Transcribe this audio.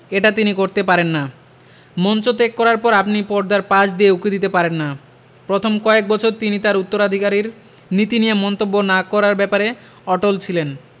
এটা তিনি করতে পারেন না মঞ্চ ত্যাগ করার পর আপনি পর্দার পাশ দিয়ে উঁকি দিতে পারেন না প্রথম কয়েক বছর তিনি তাঁর উত্তরাধিকারীর নীতি নিয়ে মন্তব্য না করার ব্যাপারে অটল ছিলেন